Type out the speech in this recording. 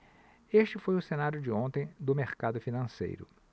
este foi o cenário de ontem do mercado financeiro